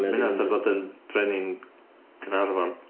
Mae hynna fatha bod yn brenin Caernarfon.